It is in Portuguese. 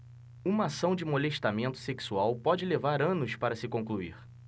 uma ação de molestamento sexual pode levar anos para se concluir